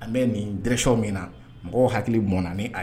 An bɛ nin min na mɔgɔw hakili mɔn